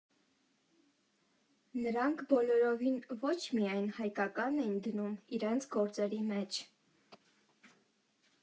«Նրանք բոլորովին ոչ միայն հայկականն էին դնում իրենց գործերի մեջ.